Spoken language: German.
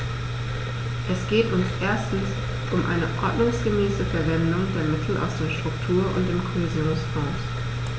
Es geht uns erstens um eine ordnungsgemäße Verwendung der Mittel aus den Struktur- und dem Kohäsionsfonds.